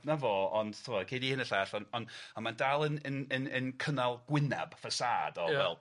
'Na fo, ond t'mo' cei di hyn a llall on' on' on' ma' dal yn yn yn yn cynnal gwynab ffasâd o fel